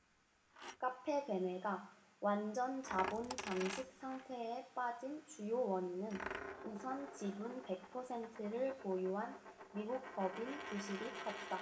카페베네가 완전자본잠식 상태에 빠진 주요 원인은 우선 지분 백 퍼센트를 보유한 미국법인 부실이 컸다